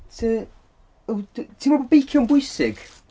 Ti, w- t- ti'n meddwl bod beicio'n bwysig?